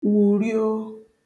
wùrioo